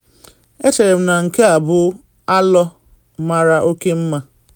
“Echere m na nke a bụ alo mara oke mma.